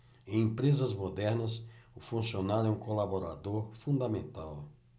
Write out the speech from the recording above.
em empresas modernas o funcionário é um colaborador fundamental